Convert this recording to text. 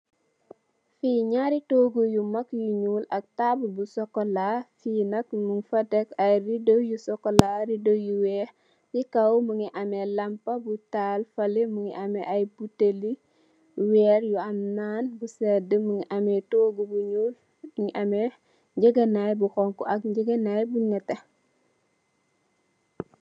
Fii njaari tohgu yu mak yu njull ak taabul bu chocolat, fii nak njung fa tek aiiy ridoh yu chocolat, ridoh yu wekh, cii kaw mungy ameh lampah bu taal, fahleh mungy ameh aiiy butehli wehrre yu am nan bu sedue, mungy ameh tohgu bu njull, mungy ameh njehgeh naii bu honhu ak njehgeh naii bu nehteh.